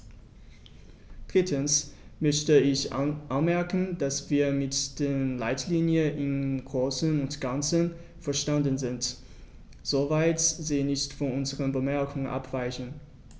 Drittens möchte ich anmerken, dass wir mit den Leitlinien im großen und ganzen einverstanden sind, soweit sie nicht von unseren Bemerkungen abweichen.